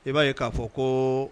I b'a ye k'a fɔ ko